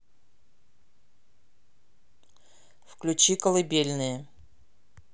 включи колыбельные